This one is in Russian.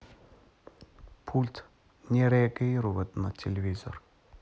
пульт не реагирует на телевизор